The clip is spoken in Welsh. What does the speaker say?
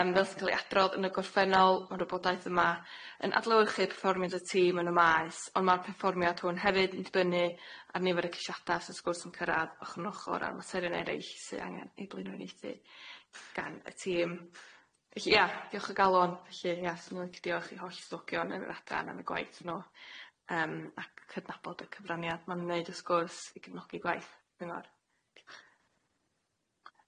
Yym fel sy'n ca'l ei adrodd yn y gorffennol ma'r wybodaeth yma yn adlewyrchu perfformiad y tîm yn y maes on' ma'r perfformiad hwn hefyd yn dibynnu ar nifer y cysiada sy wrth gwrs yn cyrradd ochr yn ochr a'r materion erill sy angen ei glynoneithu gan y tîm felly ia diolch o galon felly ia swnio'n licio diolch i holl stogion yn yr adran yn y gwaith nw yym a- cydnabod y cyfraniad ma'n wneud wth gwrs i gefnogi gwaith.